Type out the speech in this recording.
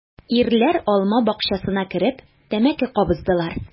Ирләр алма бакчасына кереп тәмәке кабыздылар.